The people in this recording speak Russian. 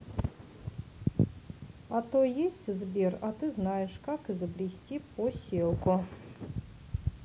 а то есть сбер а ты знаешь как изобрести поселку